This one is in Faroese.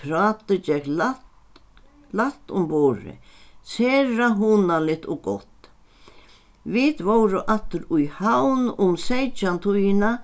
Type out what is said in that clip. prátið gekk lætt lætt um borðið sera hugnaligt og gott vit vóru aftur í havn um seytjantíðina